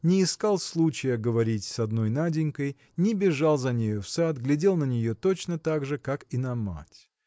не искал случая говорить с одной Наденькой не бежал за нею в сад глядел на нее точно так же как и на мать.